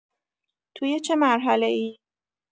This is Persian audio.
توی چه مرحله‌ای؟